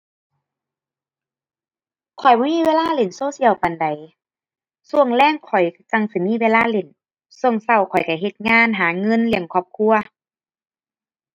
ข้อยบ่มีเวลาเล่นโซเชียลปานใด ช่วงแลงข้อยจั่งสิมีเวลาเล่น ช่วงช่วงข้อยช่วงเฮ็ดงานหาเงินเลี้ยงครอบครัว